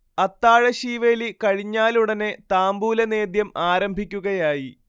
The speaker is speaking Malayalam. അത്താഴ ശീവേലി കഴിഞ്ഞാലുടനെ താംബൂലനേദ്യം ആരംഭിക്കുകയായി